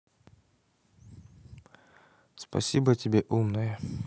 спасибо тебе умная